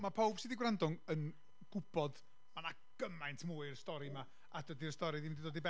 Ma' pawb sy 'di gwrando yn yn gwybod, ma' 'na gymaint mwy i'r stori 'ma a dydy'r stori ddim yn mynd i ddod i ben,